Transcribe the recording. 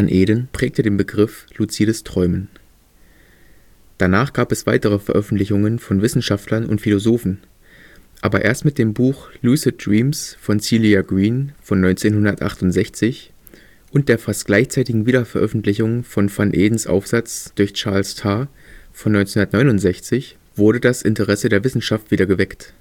Eeden prägte den Begriff luzides Träumen. Danach gab es weitere Veröffentlichungen von Wissenschaftlern und Philosophen. Aber erst mit dem Buch Lucid Dreams von Celia Green (1968) und der fast gleichzeitigen Wiederveröffentlichung von Van Eedens Aufsatz durch Charles Tart (1969) wurde das Interesse der Wissenschaft wieder geweckt